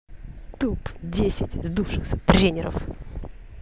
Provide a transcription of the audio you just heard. топ десять сдувшихся тренеров